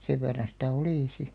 sen verran sitä oli sitten